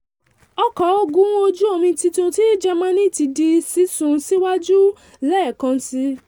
Ọkọ̀ ogun ojú omi tuntun ti Germany ti di sísún síwájú lẹ́ẹ̀kan síi